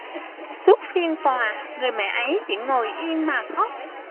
suốt phiên tòa người mẹ ấy chỉ ngồi yên mà khóc